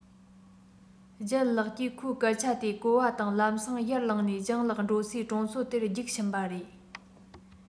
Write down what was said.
ལྗད ལགས ཀྱིས ཁོའི སྐད ཆ དེ གོ བ དང ལམ སེང ཡར ལངས ནས སྤྱང ལགས འགྲོ སའི གྲོང ཚོ དེར རྒྱུགས ཕྱིན པ རེད